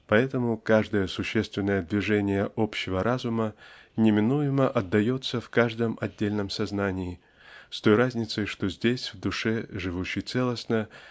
поэтому каждое существенное движение общего разума неминуемо отдается в каждом отдельном сознании с той разницей что здесь в душе живущей целостно